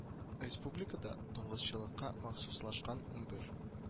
Республикада дуңгызчылыкка махсуслашкан унбер